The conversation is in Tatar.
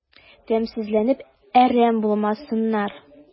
Тәмсезләнеп әрәм булмасыннар...